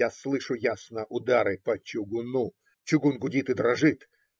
Я слышу ясно удары по чугуну; чугун гудит и дрожит.